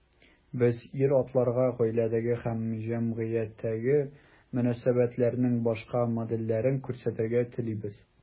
Без ир-атларга гаиләдәге һәм җәмгыятьтәге мөнәсәбәтләрнең башка модельләрен күрсәтергә телибез.